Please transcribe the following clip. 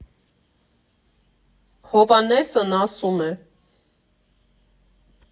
Հովհաննեսն ասում է.